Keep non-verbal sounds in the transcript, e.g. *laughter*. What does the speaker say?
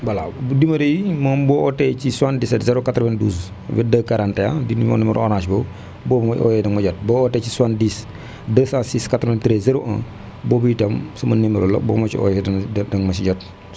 voilà numéro yi moom bu ootee ci 77 092 22 41 di numéro orange bu boo ma oowee da nga ma jot boo ootee si 70 *inhales* 206 93 01 boobu itam sama numéro la boo ma si oowee da nga da nga ma si jot